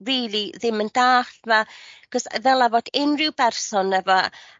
rili ddim yn dallt ma' 'c'os ddyla fod unryw berson efo a-